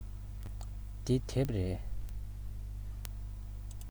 འདི དེབ རེད